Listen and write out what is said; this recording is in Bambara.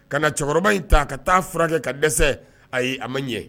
Ka na cɛkɔrɔba in ta ka taa furakɛ ka dɛsɛ a ye a man ɲɛ